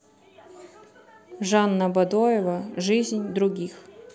жанна бадоева жизнь других